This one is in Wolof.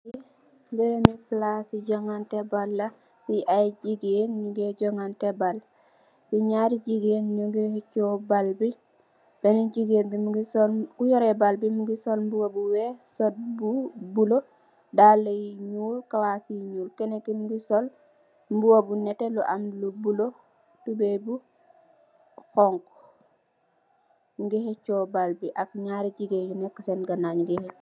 Fi mbèreèm palaas ci jogantè ball, fi ay jigèen nu ngè jogantè ball. Fi naari jigéen nungi hacho ball bi, benen jigéen mungi sol, ku yorè ball bi mungi sol mbuba bu weeh sut bu bulo, daali yu ñuul, kawaas yu ñuul. Kenen ki mungi sol mbuba bu nètè lu am lu bulo, tubeye bu honku. Nungi hècho ball bi ak narri jigéen yu nekka senn ganaaw nungi hècho.